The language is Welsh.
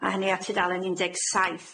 A hynny ar tudalen un deg saith.